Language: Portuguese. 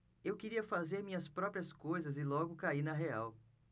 eu queria fazer minhas próprias coisas e logo caí na real